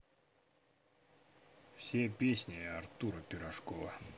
все песни артура пирожкова